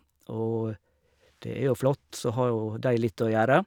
Og det er jo flott, så har jo de litt å gjøre.